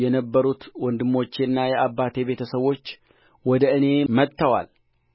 ከያዕቆብ ጋር ወደ ግብፅ የገቡት ሰዎች ሁሉ ከጉልበቱ የወጡት